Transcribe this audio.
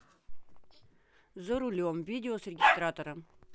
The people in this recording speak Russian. за рулем видео с регистратора